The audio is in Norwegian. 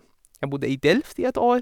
Jeg bodde i Delft i et år.